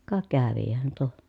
ka kävihän tuo